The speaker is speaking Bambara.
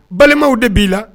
Balimaw de b'i la